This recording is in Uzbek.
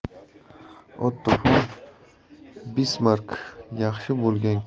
otto fon bismark yaxshi bo'lgan